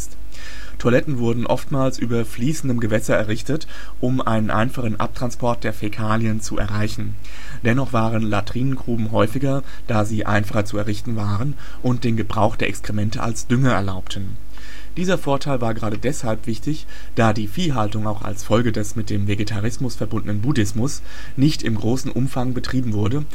wurden oftmals über fließenden Gewässern errichtet, um einen einfachen Abtransport der Fäkalien zu erreichen. Dennoch waren Latrinengruben häufiger, da sie einfacher zu errichten waren und den Gebrauch der Exkremente als Dünger erlaubten. Dieser Vorteil war gerade deshalb wichtig, da die Viehhaltung auch als Folge des mit dem Vegetarismus verbundenen Buddhismus nicht im großen Umfang betrieben wurde